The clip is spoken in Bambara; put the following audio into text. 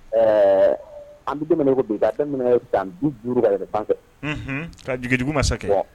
Ɛɛ an bɛ don mina i ko bi k'a damina san 50 ka yɛlɛ san fɛ ka jigin duguma sakɛ.